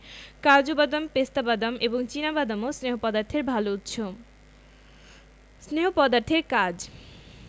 কাজু বাদাম পেস্তা বাদাম এবং চিনা বাদামও স্নেহ পদার্থের ভালো উৎস স্নেহ পদার্থের কাজ